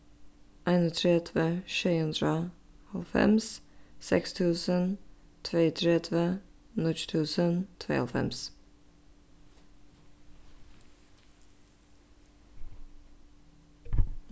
einogtretivu sjey hundrað hálvfems seks túsund tveyogtretivu níggju túsund tveyoghálvfems